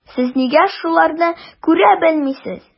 Сез нигә шуларны күрә белмисез?